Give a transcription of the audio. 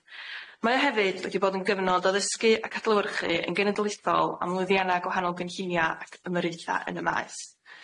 Mae o hefyd wedi bod yn gyfnod o ddysgu ac adlewyrchu yn genedlaethol am lwyddianna' gwahanol gynllunia' ac ymyrritha' yn y maes.